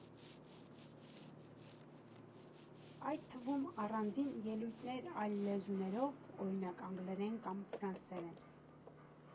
Այդ թվում առանձին ելույթներ այլ լեզուներով, օրինակ՝ անգլերեն կամ ֆրանսերեն։